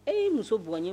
E ye muso bɔn ye